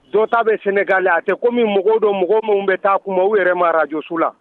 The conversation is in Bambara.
Jo ta bɛ sɛnɛga la a tɛ ko min mɔgɔw don mɔgɔ minnu bɛ taa kuma u yɛrɛ marajsu la